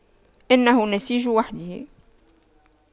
إنه نسيج وحده